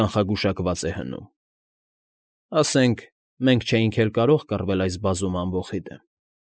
Կանխագուշակված է հնում։ Ասենք, մենք չէինք էլ կարող կռվել այս բազում ամբոխի դեմ։